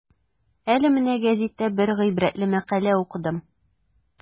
Әле менә гәзиттә бер гыйбрәтле мәкалә укыдым.